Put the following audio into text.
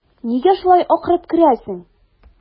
Нигә шулай акырып керәсең?